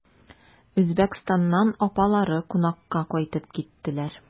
Үзбәкстаннан апалары кунакка кайтып киттеләр.